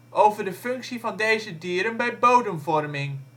over de functie van deze dieren bij bodemvorming